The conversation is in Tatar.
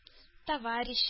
Товарищ